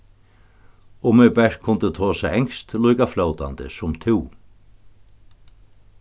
um eg bert kundi tosað enskt líka flótandi sum tú